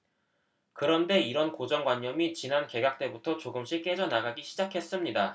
그런데 이런 고정관념이 지난 개각 때부터 조금씩 깨져나가기 시작했습니다